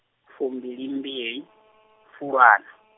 fumbilimbili, Fulwana.